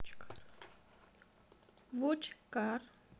воч кар